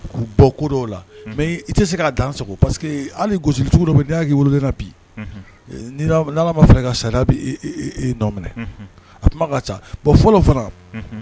K'u bɔ ko dɔw la mais i te se k'a dan sago parce que hali gosili sugu dɔ be ye n'i y'a k'i woloden na bi unhun e n'i nam n'Ala ma fara i kan charia bi i i i i nɔ minɛ unhun a kuma ka can bon fɔlɔ fana unhun